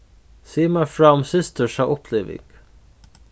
sig mær frá um systursa uppliving